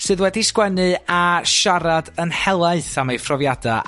sydd wedi sgwennu a siarad yn helaeth am ei phrofiada